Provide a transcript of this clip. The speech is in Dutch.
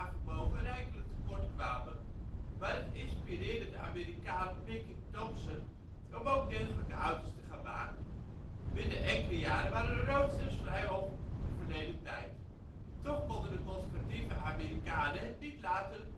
vermogen rijkelijk tekort kwamen, maar het inspireerde de Amerikaan Mickey Thompson om ook dergelijke auto 's te gaan maken. Binnen enkele jaren waren de roadsters vrijwel verleden tijd. Toch konden de conservatieve Amerikanen het niet laten